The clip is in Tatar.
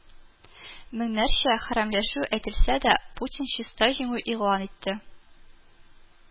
Меңнәрчә хәрәмләшү әйтелсә дә, Путин чиста җиңү игълан итте